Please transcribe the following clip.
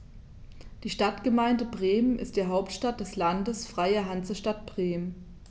Die Stadtgemeinde Bremen ist die Hauptstadt des Landes Freie Hansestadt Bremen.